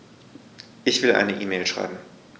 Ich will eine E-Mail schreiben.